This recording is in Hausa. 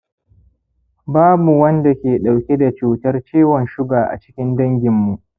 babu wanda ke ɗauke da cutar ciwon shuga a cikin dangin mu